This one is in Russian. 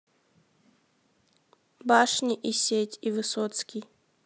башни и сеть и высоцкий